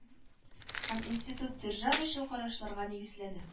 Һәм институт державачыл карашларга нигезләнә